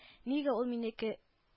Нигә ул минеке